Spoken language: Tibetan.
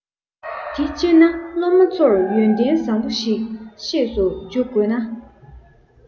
འདི སྤྱིར ན སློབ མ ཚོར ཡོན ཏན བཟང བོ ཞིག ཤེས སུ འཇུག དགོས ན